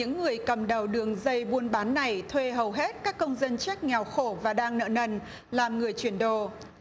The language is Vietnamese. những người cầm đầu đường dây buôn bán này thuê hầu hết các công dân chếch nghèo khổ và đang nợ nần làm người chuyển đồ